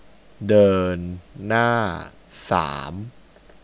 เดินหน้าสาม